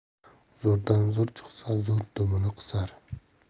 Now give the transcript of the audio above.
zo'rdan zo'r chiqsa zo'r dumini qisar